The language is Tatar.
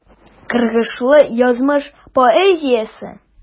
Каргышлы язмыш поэзиясе.